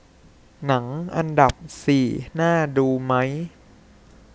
หนังอันดับสี่น่าดูไหม